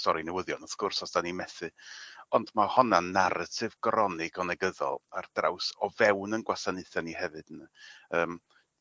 sori newyddion wrth gwrs os 'dan ni'n methu ond ma' honna'n naratif gronig o negyddol ar draws o fewn 'yn gwasanaethe ni hefyd ynde? Yym.